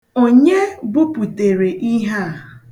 Onye bupụtere ihe a?